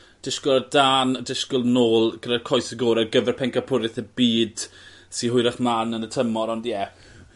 dishgwl ar dân dishgwl nôl gyda coese gore ar gyfer pencampwrieth y byd sy hwyrach mlan yn y tymor ond ie.